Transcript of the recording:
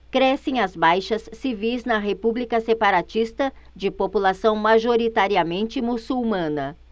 crescem as baixas civis na república separatista de população majoritariamente muçulmana